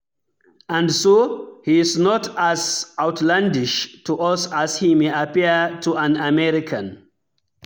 And so, he's not as outlandish to us as he may appear to an American.